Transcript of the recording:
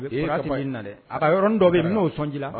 a yɔrɔnin dɔ be yen n ben'o sɔn ji la